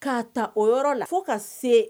K'a ta o yɔrɔ la, fo ka se